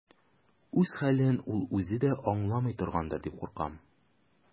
Үз хәлен ул үзе дә аңламый торгандыр дип куркам.